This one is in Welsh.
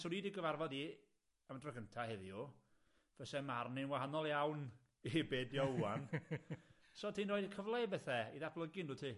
So ni 'di gyfarfod 'i am y tro cynta heddiw, fyse marn i'n wahanol iawn i be' 'di o ŵan, so ti'n rhoi cyfle i bethe i ddatblygu, yndwt ti?